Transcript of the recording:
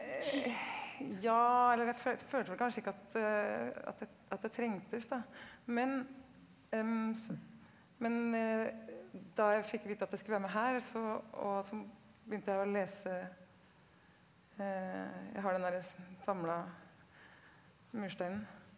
ja eller jeg følte vel kanskje ikke at at det at det trengtes da men men da jeg fikk vite at jeg skulle være med her så og så begynte jeg å lese jeg har den derre samla mursteinen.